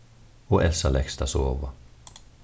og elsa legst at sova